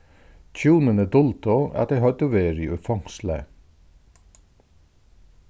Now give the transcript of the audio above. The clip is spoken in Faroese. hjúnini duldu at tey høvdu verið í fongsli